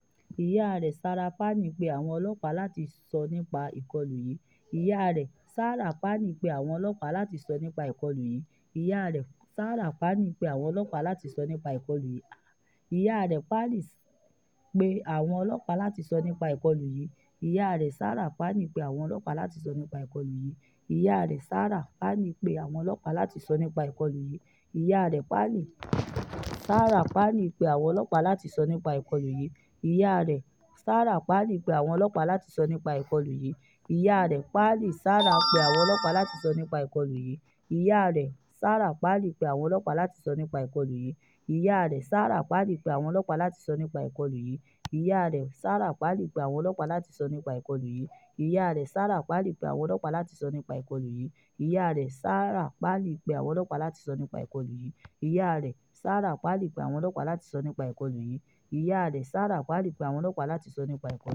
Ìyá rẹ̀, Sarah Palin, pe àwọn ọlọ́pàá láti ṣo nípa ìkọlù yìí.